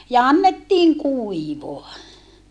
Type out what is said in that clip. ja annettiin kuivaa